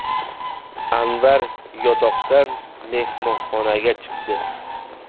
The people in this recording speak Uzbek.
anvar yotoqdan mehmonxonaga chiqdi